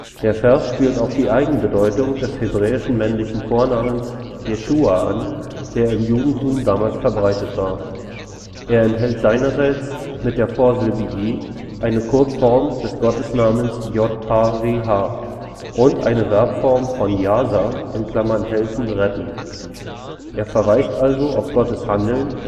Der Vers spielt auf die Eigenbedeutung des hebräischen männlichen Vornamens Jeschua an, der im Judentum damals verbreitet war. Er enthält seinerseits mit der Vorsilbe Je - eine Kurzform des Gottesnamens JHWH und eine Verbform von jaša („ helfen, retten “). Er verweist also auf Gottes Handeln